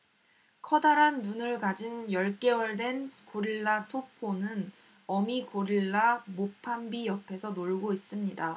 커다란 눈을 가진 열 개월 된 고릴라 소포는 어미 고릴라 모팜비 옆에서 놀고 있습니다